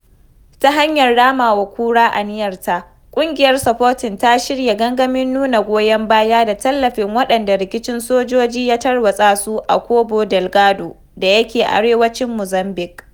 Ta hanyar rama wa kura aniyarta, Ƙungiyar Sporting ta shirya gangamin nuna goyan baya da tallafin waɗanda rikicin sojoji ya tarwatsa su a Cabo Ddelgado da yake arewacin Muzambique.